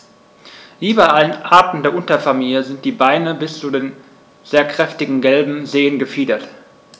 Wie bei allen Arten der Unterfamilie sind die Beine bis zu den sehr kräftigen gelben Zehen befiedert.